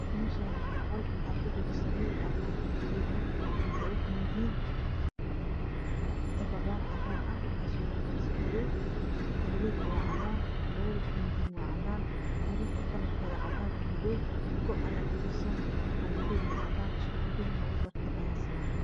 Meeshaani waa qol waxaa kujira sariir iyo armaajo tawleed ah labo koobadiin, katabaan cadaan ah waxaa suran boorso madow tawleed ka waa cadaan, labada koobadiina waa cadaan, sariirta waa cadaan iyo madow. Go'ayaa ku fidsan oo madow iyo cadaan iskugu jira labo barkimood ayaa saaran.